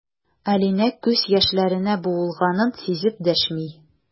Алинә күз яшьләренә буылганын сизеп дәшми.